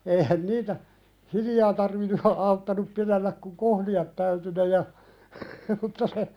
eihän niitä hiljaa tarvinnut - auttanut pidellä kun kohlia täytyi ne ja mutta se